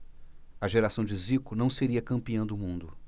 a geração de zico não seria campeã do mundo